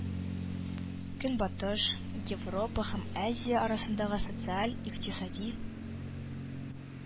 Көнбатыш, Европа һәм Азия арасындагы социаль, икътисади,